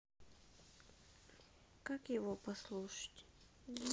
как его послушать